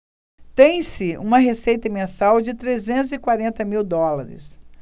tem-se uma receita mensal de trezentos e quarenta mil dólares